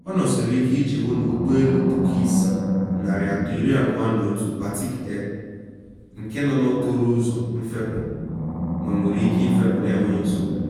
Ọ nọsiri ike iji hụ na Ụgbọ Elu 6321 Batik Air, nke nọ n’okporo ụzọ mfepụ, nwenwuru ike ịfepụ na enweghị nsogbu.